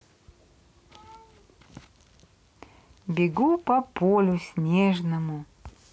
бегу по полю снежному